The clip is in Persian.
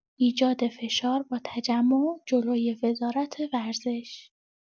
ایجاد فشار با تجمع جلوی وزارت ورزش